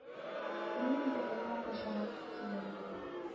Мин инде әллә качан ук килгән идем